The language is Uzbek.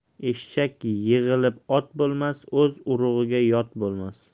eshak yig'ilib ot bo'lmas o'z urug'iga yot bo'lmas